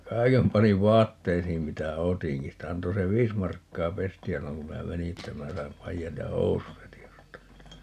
ja kaiken panin vaatteisiin mitä otinkin sitä antoi se viisi markkaa pestiä silloin kun minä menin että minä sain paidat ja housut heti ostaa